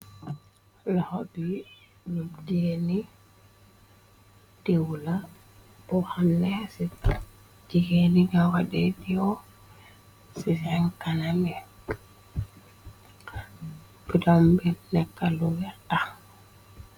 Lohobii lum teeyé nii diww la, bo xamne jigéeni nyoko diww ci sen kanamii yii. Bidong bii nekka lu werta.